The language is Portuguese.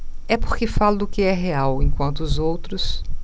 é porque falo do que é real enquanto os outros